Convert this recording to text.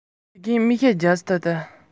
ངའི མིག ནང སློབ ཕྲུག བཀྲ བཟང སྙིང རྗེ རུ གྱུར